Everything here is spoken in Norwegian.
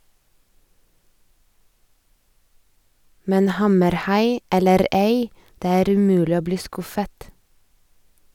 Men hammerhai eller ei - det er umulig å bli skuffet.